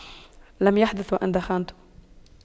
لم يحدث وأن دخنت